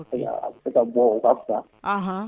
A bɛ se ka bɔ u ka fusa, ɔnhɔn